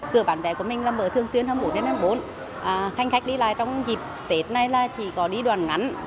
cửa bán vé của mình là mở thường xuyên hăm bốn trên hăm bốn ờ hành khách đi lại trong dịp tết này là chỉ có đi đoạn ngắn